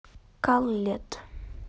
call лет